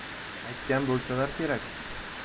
aytgan bo'lsalar kerak